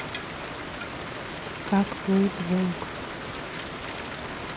как воет волк